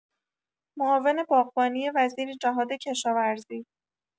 معاون باغبانی وزیر جهادکشاورزی